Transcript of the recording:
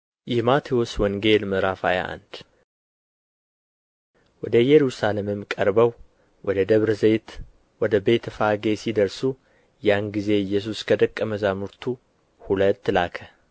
﻿የማቴዎስ ወንጌል ምዕራፍ ሃያ አንድ ወደ ኢየሩሳሌምም ቀርበው ወደ ደብረ ዘይት ወደ ቤተ ፋጌ ሲደርሱ ያንጊዜ ኢየሱስ ከደቀ መዛሙርቱ ሁለት ላከ